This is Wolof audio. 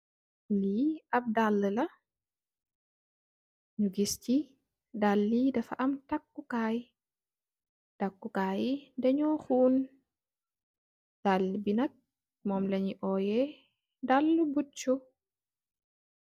Li ap daluh la daluh ye dafa am tokuh kai daluh yenak mum la nyu oyeh daluh bucks